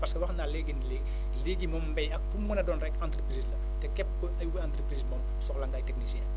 parce que wax naa léegi nii léegi léegi moom mbéy ak fu mu mën a doon rek entreprise la te képp ku ubbi entreprise moom soxla nga ay techniciens